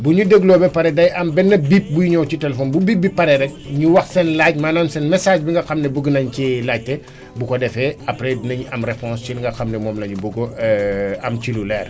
bu ñu dégloo ba pare day am benn bip buy ñëw ci téléphone bu bip bi paree rek ñu wax seen laaj maanaam seen message bi nga xam ne bugg nañ cee laajte bu ko defee après dinañ am réponse ci li nga xam ne moom la ñu bugg am ci lu leer